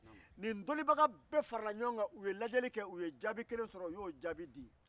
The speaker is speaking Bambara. nin dɔnnibaga bɛɛ farala ɲɔgɔn ka lajɛli kae u ye bɛɛ ye jaabi kelen sɔrɔ k'o di